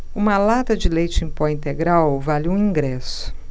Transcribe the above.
uma lata de leite em pó integral vale um ingresso